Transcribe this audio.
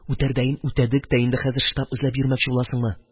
Үтәрдәен үтәдек тә. Инде хәзер штаб эзләп йөрмәкче буласыңмы?